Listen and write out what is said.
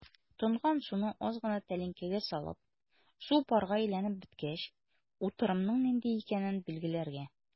Тонган суны аз гына тәлинкәгә салып, су парга әйләнеп беткәч, утырымның нинди икәнен билгеләргә.